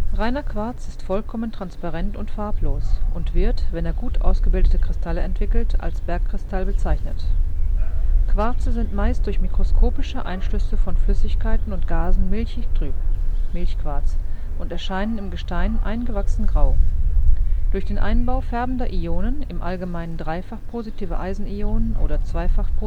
Reiner Quarz ist vollkommen transparent und farblos und wird, wenn er gut ausgebildete Kristalle entwickelt, als Bergkristall bezeichnet. Quarze sind meist durch mikroskopische Einschlüsse von Flüssigkeiten und Gasen milchig trüb (Milchquarz) und erscheinen im Gestein eingewachsen grau. Durch den Einbau färbender Ionen (im allgemeinen Fe3+ oder Fe2+